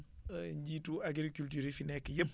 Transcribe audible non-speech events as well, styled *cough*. *hesitation* njiitu agriculture yi fi nekk yëpp